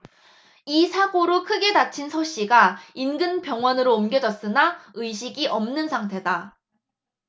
이 사고로 크게 다친 서씨가 인근 병원으로 옮겨졌으나 의식이 없는 상태다